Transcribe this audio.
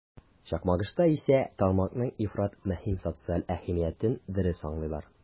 Чакмагышта исә тармакның ифрат мөһим социаль әһәмиятен дөрес аңлыйлар.